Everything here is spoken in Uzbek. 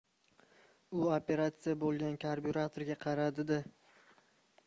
u operatsiya bo'lgan karbyuratorga qaradi da